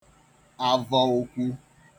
avọ ukwu